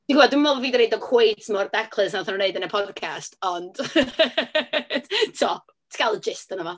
Dwi'n gwybod, dwi'm yn meddwl bo' fi 'di roi o cweit mor daclus â wnaethon nhw wneud yn y podcast. Ond t- tibod, ti'n cael y gist ohona fo.